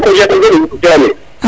o Diané o Diané